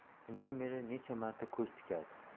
shundan beri necha marta ko'z tikadi